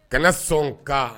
Kana sɔn ka